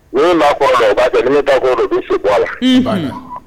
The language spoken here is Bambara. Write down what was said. Ni n ba kɔrɔ b'a ba bɛ bɛ se bɔ la